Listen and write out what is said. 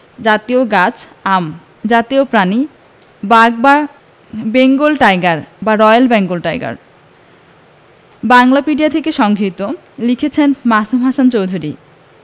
জাতীয় গাছঃ আম জাতীয় প্রাণীঃ বাঘ বা বেঙ্গল টাইগার বা রয়েল বেঙ্গল টাইগার বাংলাপিডিয়া থেকে সংগৃহীত লিখেছেন মাসুম হাসান চৌধুরী